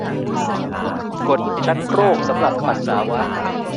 กดชักโครกสำหรับปัสสาวะ